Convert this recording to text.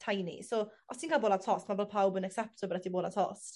tiny so os ti'n ca'l bola tost ma' fel pawb yn acsepto bo' 'da ti bola tost.